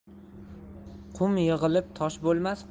qum yig'ilib tosh bo'lmas